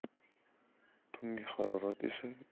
tungi harorat esa